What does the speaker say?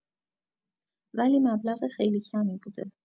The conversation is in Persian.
ولی مبلغ خیلی کمی بوده